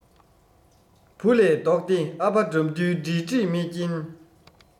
བུ ལས ལྡོག སྟེ ཨ ཕ དགྲ འདུལ ག བྲེལ འདྲིས མེད རྐྱེན